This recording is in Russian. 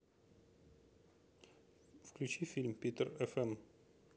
включи фильм питер эф эм